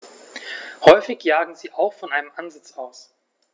Häufig jagen sie auch von einem Ansitz aus.